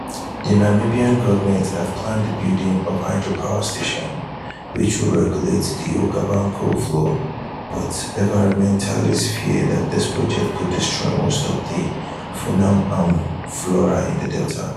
The Namibian government has plans to build a hydropower station which would regulate the Okavango's flow, but environmentalists fear that this project could destroy most of the fauna and flora in the Delta.